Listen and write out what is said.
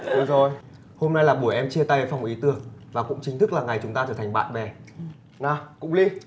được rồi hôm nay là buổi em chia tay với vòng ý tưởng và cũng chính thức là ngày chúng ta trở thành bạn bè nào cụng li